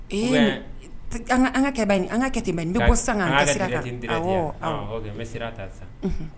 Ee kakɛ an ka tɛmɛ nin n bɛ ko san